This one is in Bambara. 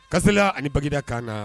Kassela ani Baguinda camp naa